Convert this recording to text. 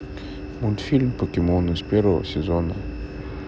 мультфильм покемоны с первого сезона